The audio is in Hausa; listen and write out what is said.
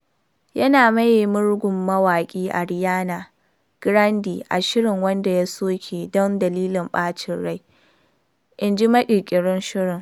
Kamar yadda ya zama abu gajartacce na sunansa na sana’a na yanzu, West a da ya ce kalmar tana da wata ma’anar addini a gare shi.